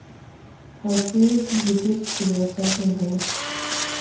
хоккей две тысячи двадцатый год